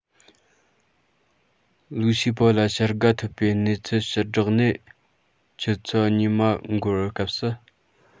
ལིའུ ཞའོ པོ ལ བྱ དགའ ཐོབ པའི གནས ཚུལ ཕྱིར བསྒྲགས ནས ཆུ ཚོད གཉིས མ འགོར བའི སྐབས སུ